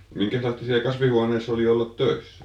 minkäslaista siellä kasvihuoneessa oli olla töissä